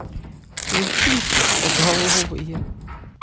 включи пустоголовые